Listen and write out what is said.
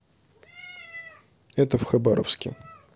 это в хабаровске